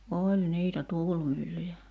oli niitä tuulimyllyjä